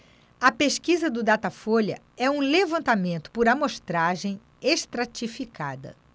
a pesquisa do datafolha é um levantamento por amostragem estratificada